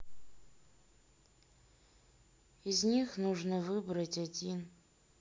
из них нужно выбрать один